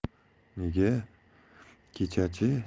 nega kecha chi